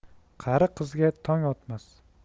qari qizga tong otmas